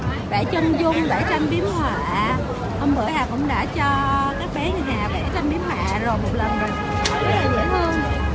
chân dung vẽ tranh biếm họa hôm bữa hà cũng đã cho các bé nhà hà vẽ tranh biếm họa rồi một lần rồi rất là dễ thương